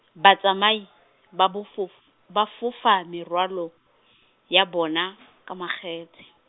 batsamai, ba bofof-, ba fofa merwalo, ya bona , ka makgethe.